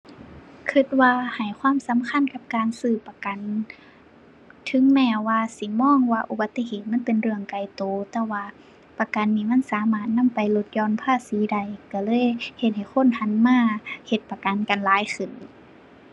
คิดว่าให้ความสำคัญกับการซื้อประกัน ถึงแม้ว่าสิมองว่าอุบัติเหตุมันเป็นเรื่องไกลคิด แต่ว่า ประกันนี่มันสามารถนำไปลดหย่อนภาษีได้ คิดเลย เฮ็ดให้คนหันมา เฮ็ดประกันกันหลายขึ้น